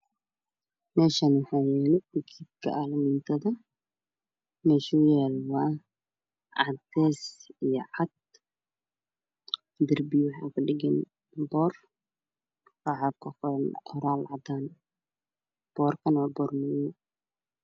Meshanwaxayaalogedka Aamindada me shuyalo Cades iyo cad derbiga waxa kudheganbor waxakuqoran qoraalcadan borkana bormadow